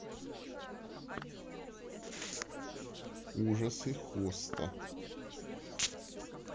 ужасы хоста